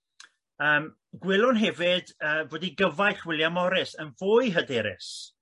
yym gwelwn hefyd yy bod ei gyfaill William Morris yn fwy hyderis